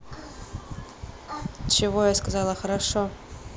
чего я сказала хорошо